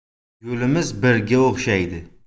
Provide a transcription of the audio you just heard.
yo'limiz birga o'xshaydi